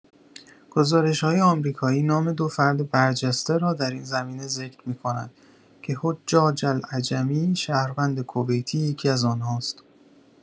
گزارش‌های آمریکایی نام دو فرد برجسته را در این زمینه ذکر می‌کند که حجاج العجمی شهروند کویتی یکی‌از آن‌ها است.